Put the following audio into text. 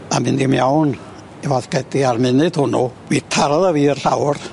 a mynd i mewn i focedi ar munud hwnnw mi tarodd o fi i'r llawr